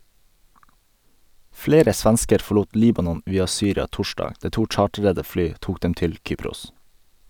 Flere svensker forlot Libanon via Syria torsdag, der to chartrede fly tok dem til Kypros.